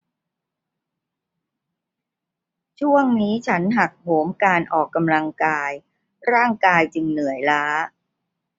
ช่วงนี้ฉันหักโหมการออกกำลังกายร่างกายจึงเหนื่อยล้า